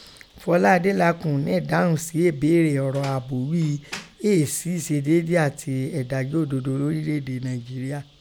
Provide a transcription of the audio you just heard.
Fọlá Adélakùn nẹ́ẹ̀dáhùn si ẹ̀béèrè ọ̀rọ̀ àbò ghíi éè si iṣedeede ati ẹ̀dajọ ododo lọ́rile èdè Nàínjíríà.